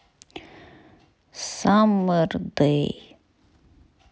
саммер дэй